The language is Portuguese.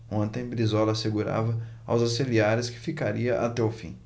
ontem brizola assegurava aos auxiliares que ficaria até o fim